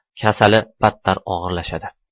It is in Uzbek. kasali battar og'irlashadi